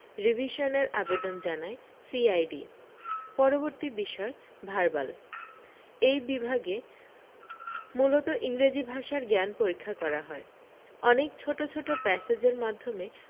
রিভিশনের আবেদন জানায় সিআইডি পরবর্তী বিষয় ভার্বাল এই বিভাগে মূলত ইংরেজি ভাষার জ্ঞান পরীক্ষা করা হয় অনেক ছোট ছোট প্যাসেজের মাধ্যমে